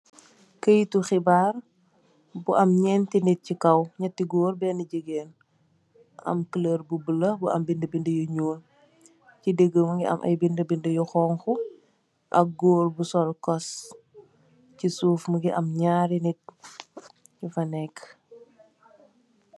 Kei tu xirba bu am n'yeti nit si kaw niati gorr bena jigeen am coleur bu blue" bu am bindi bindi bu null si dega bi an bindi bindi bu konko ak gorr bu sol kos si soff mungi am nyari nit yo fa neka.